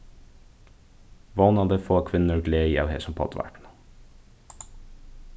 vónandi fáa kvinnur gleði av hesum poddvarpinum